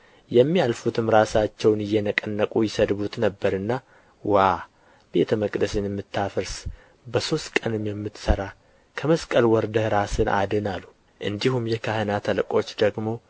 የሚያልፉትም ራሳቸውን እየነቀነቁ ይሰድቡት ነበርና ዋ ቤተ መቅደስን የምታፈርስ በሦስት ቀንም የምትሠራ ከመስቀል ወርደህ ራስህን አድን አሉ እንዲሁም የካህናት አለቆች ደግሞ